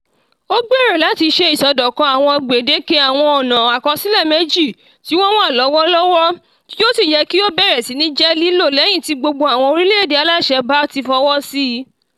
Ó gbèrò láti ṣe ìṣọdọ̀kan àwọn gbèdéke àwọn ọ̀nà àkọsílẹ̀ méjì tí wọ́n wà lọ́wọ́lọ́wọ́ tí ó sì yẹ kí ó bẹ̀rẹ̀ sí ní jẹ́ lílò lẹ́yìn tí gbogbo àwọn orílẹ̀-èdè aláṣẹ bá ti fọwọ́ síi.